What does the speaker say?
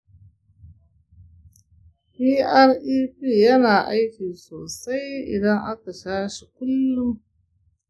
prep yana aiki sosai idan aka sha shi kullun.